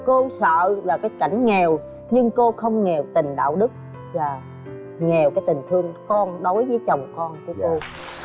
cô sợ là cái cảnh nghèo nhưng cô không nghèo tình đạo đức và nghèo cái tình thương con đối với chồng con của cô